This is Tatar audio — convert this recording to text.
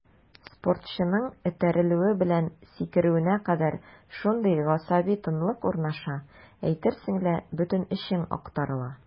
Спортчының этәрелүе белән сикерүенә кадәр шундый гасаби тынлык урнаша, әйтерсең лә бөтен эчең актарыла.